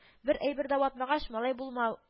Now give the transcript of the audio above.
Бер әйбер дә ватмагач малай булама